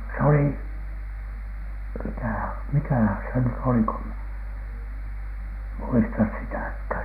se oli mitä mikähän se nyt oli kun - muista sitäkään